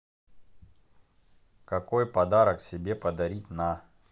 какой подарок себе подарить на